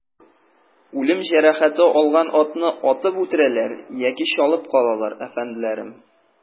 Үлем җәрәхәте алган атны атып үтерәләр яки чалып калалар, әфәнделәрем.